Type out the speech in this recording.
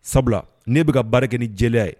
Sabula ne bɛka ka baara kɛ ni jeliya ye